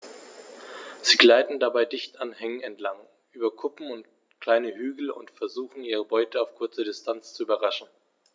Sie gleiten dabei dicht an Hängen entlang, über Kuppen und kleine Hügel und versuchen ihre Beute auf kurze Distanz zu überraschen.